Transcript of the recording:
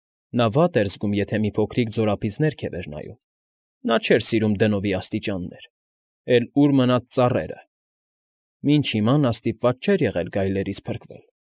Նա վատ էր զգում, եթե մի փոքրիկ ձորափից ներքև էր նայում. նա չէր սիրում դնովի աստիճաններ, էլ ուր մնաց ծառերը (մինչև հիմա նա ստիպված չէր եղել գայլերից փրկվել)։